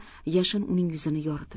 yashin uning yuzini yoritib